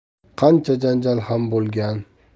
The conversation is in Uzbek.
qancha janjal ham bo'lgan